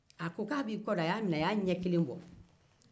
a ko k'a b'i kɔdon a y'a minɛ k' je kelen bɔ